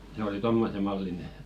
se oli tuommoisen mallinen